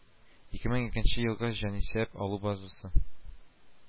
Ике мең икенче елгы җанисәп алу базасы